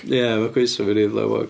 Ie, ma' coesau fi'n rhy flewog.